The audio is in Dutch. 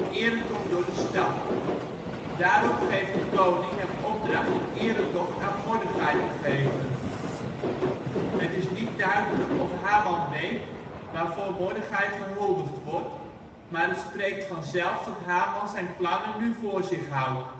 eretocht door de stad. Daarop geeft de koning hem opdracht een eretocht aan Mordechai te geven. Het is niet duidelijk of Haman weet waarvoor Mordechai gehuldigd wordt, maar het spreekt vanzelf dat Haman zijn plannen nu voor zich houdt